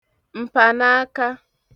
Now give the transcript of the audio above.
m̀pànāaka